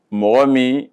Mɔgɔ min